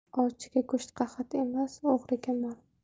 ovchiga go'sht qahat emas o'g'riga mol